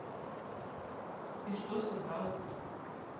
и что собрал